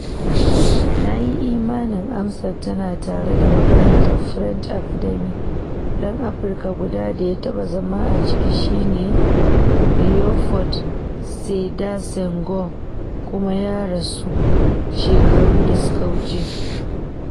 Na yi imanin amsar tana tare da makaratar French Academy: ɗan Afirka guda da ya taɓa zama a ciki shi ne Léopold Sédar Senghor, kuma ya rasu shekaru da suka wuce.